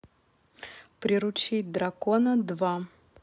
приручить дракона два